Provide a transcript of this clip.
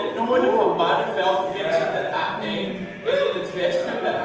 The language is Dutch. noorden van Barneveld bevindt zich de A1 en in het westen de